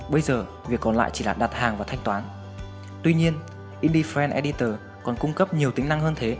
bây giờ việc còn lại chỉ là đặt hàng và thanh toán tuy nhiên indyfriend editor còn cung cấp nhiều tính năng hơn thế